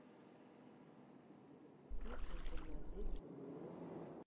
хочешь завладеть землей